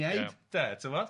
'de, ti'n gwbod?